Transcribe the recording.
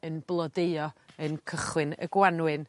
yn blodeuo yn cychwyn y Gwanwyn.